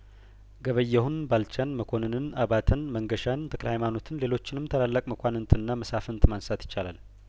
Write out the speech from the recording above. ገበየሁን ባልቻን መኮንንን አባተን መንገሻን ተክለሀይማኖትን ሌሎችንም ታላላቅ መኳንንትና መሳፍንት ማንሳት ይቻላል